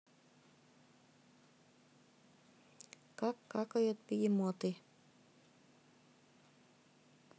как какают бегемоты